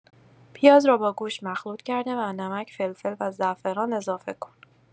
پیاز را با گوشت مخلوط کرده و نمک، فلفل و زعفران اضافه کن.